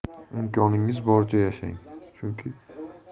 imkoningiz boricha yashang chunki